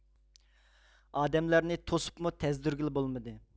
ئادەملەرنى توسۇپمۇ تەزدۈرگىلى بولمىدى